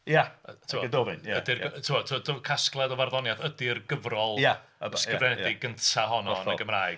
Ia, Y Gododdin... Ydi'r ti'mod... ti'mod mai casgliad o farddoniaeth ydi'r gyfrol... Ie... ysgrifenedig gyntaf honno yn y Gymraeg.